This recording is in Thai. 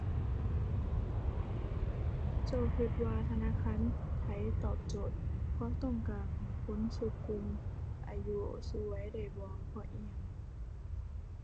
เจ้าคิดว่าธนาคารไทยตอบโจทย์ความต้องการของคนซุกลุ่มอายุซุวัยได้บ่ เพราะอิหยัง